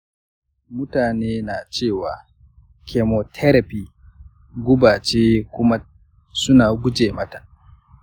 mutane na cewa chemotherapy guba ce, kuma suna guje mata.